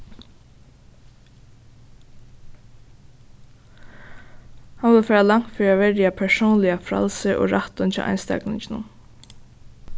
hann vil fara langt fyri at verja persónliga frælsið og rættin hjá einstaklinginum